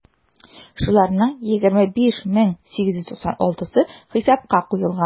Шуларның 25 мең 896-сы хисапка куелган.